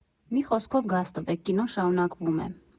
Մի խոսքով, գազ տվեք, կինոն շարունակվում է՜։